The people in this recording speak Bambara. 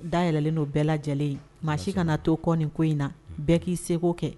Dayɛlɛnlen dono bɛɛ lajɛlen in maa si kana na to kɔn ko in na bɛɛ k'i se kɛ